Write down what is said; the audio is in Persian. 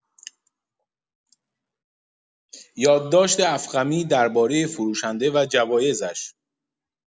یادداشت افخمی دربارۀ فروشنده و جوایزش.